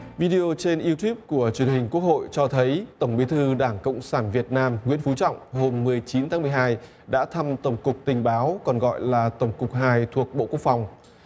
vi đê ô trên iu tút của truyền hình quốc hội cho thấy tổng bí thư đảng cộng sản việt nam nguyễn phú trọng hôm mười chín tháng mười hai đã thăm tổng cục tình báo còn gọi là tổng cục hai thuộc bộ quốc phòng